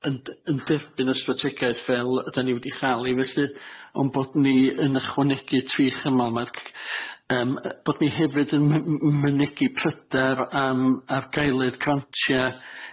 yn d- yn derbyn y strategaeth fel ydan ni wedi chal 'i felly, ond bod ni yn ychwanegu tri chymal. Mae'r c-... Yym yy bod ni hefyd yn m- m- mynegi pryder am argaeledd grantia'